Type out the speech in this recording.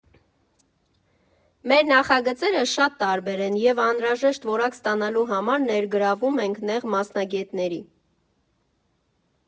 Մեր նախագծերը շատ տարբեր են, և անհրաժեշտ որակ ստանալու համար ներգրավում ենք նեղ մասնագետների։